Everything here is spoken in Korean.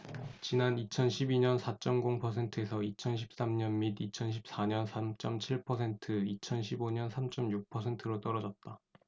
지난 이천 십 이 년 사 쩜 공 퍼센트에서 이천 십 삼 년 및 이천 십 사 년 삼 쩜 칠 퍼센트 이천 십 오 년 삼 쩜 육 퍼센트로 떨어졌다